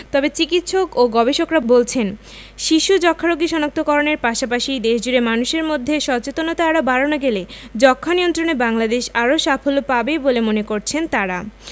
তবে চিকিৎসক ও গবেষকরা বলছেন শিশু যক্ষ্ণারোগী শনাক্ত করণের পাশাপাশি দেশজুড়ে মানুষের মধ্যে সচেতনতা আরও বাড়ানো গেলে যক্ষ্মানিয়ন্ত্রণে বাংলাদেশ আরও সাফল্য পাবেই বলে মনে করছেন তারা